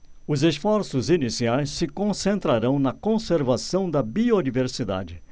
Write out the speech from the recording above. os esforços iniciais se concentrarão na conservação da biodiversidade